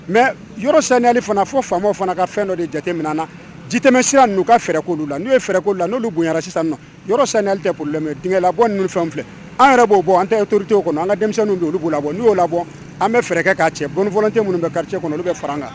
Mɛ yɔrɔ saniani fana fo faama fana ka fɛn dɔ de jate min na ji tɛ sira n'u ka fɛɛrɛ'olu la n'u ye' la n'olu bon tɛ la bɔ fɛn filɛ an yɛrɛ b'o bɔ an tɛ totigiw o kɔnɔ an ka denmisɛnnin don olu b' la bɔ n''o la bɔ an bɛ fɛɛrɛ ka cɛ bɔnfɔcɛ minnu bɛ kariti kɔnɔ olu bɛ fara an kan